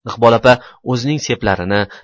iqbol opa o'zining seplarini